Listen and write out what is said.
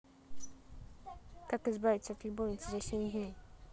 как избавиться от любовницы за семь дней